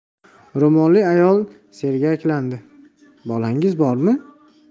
ro'molli ayol sergaklandi bolangiz bormi